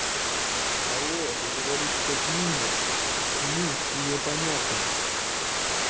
алло я говорю ты как ninja мы уже понятные